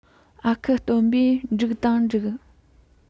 ཨ ཁུ སྟོན པས འགྲིག དང འགྲིག